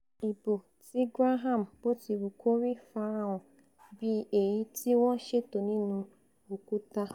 Ìbò ti Graham, botiwukori, farahàn bí èyití wọ́n ṣètò nínú òkúta.